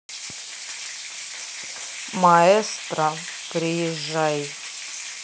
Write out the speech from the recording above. маэстро приезжай